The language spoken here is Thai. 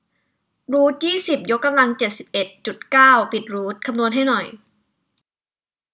รูทยี่สิบยกกำลังเจ็ดสิบเอ็ดจุดเก้าปิดรูทคำนวณให้หน่อย